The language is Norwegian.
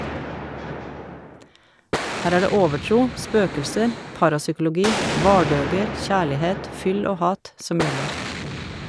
Her er det overtro, spøkelser, parapsykologi, vardøger, kjærlighet, fyll og hat som gjelder.